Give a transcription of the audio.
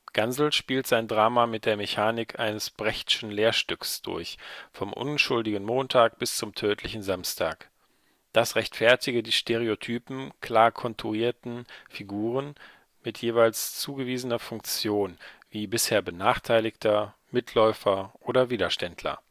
Gansel spielt sein Drama mit der Mechanik eines Brechtschen Lehrstückes durch, vom unschuldigen Montag bis zum tödlichen Samstag. “Das rechtfertige die „ stereotypen, “„ klar konturierten “Figuren mit jeweils zugewiesener Funktion wie bisher Benachteiligter, Mitläufer oder Widerständler